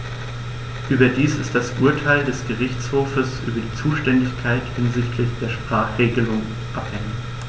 Überdies ist das Urteil des Gerichtshofes über die Zuständigkeit hinsichtlich der Sprachenregelung anhängig.